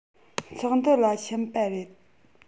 ཚོགས འདུ ལ ཕྱིན པ རེད